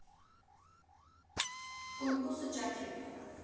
Կոմկուսը ճաք էր տվել։